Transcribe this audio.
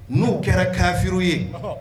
N'o kɛra kaf ye